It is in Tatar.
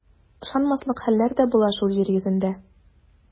Ышанмаслык хәлләр дә була шул җир йөзендә.